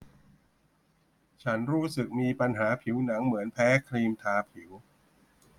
ฉันรู้สึกมีปัญหาผิวหนังเหมือนแพ้ครีมทาผิว